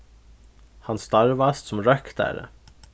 hann starvast sum røktari